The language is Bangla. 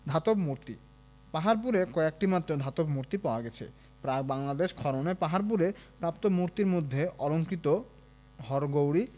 ধাতব মূর্তি পাহাড়পুরে কয়েকটি মাত্র ধাতব মূর্তি পাওয়া গেছে প্রাক বাংলাদেশ খননে পাহাড়পুরে প্রাপ্ত মূর্তির মধ্যে অলঙ্কৃত হরগৌরী